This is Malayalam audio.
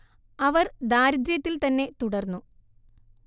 അവർ ദാരിദ്ര്യത്തിൽ തന്നെ തുടർന്നു